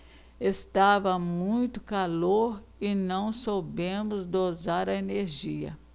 estava muito calor e não soubemos dosar a energia